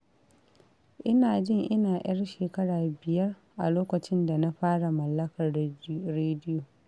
Ina jin ina 'yar shekara 5 a lokacin da na fara mallakar rediyo.